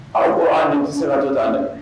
Aw ko aw ni tɛ sirajɔ da dɛ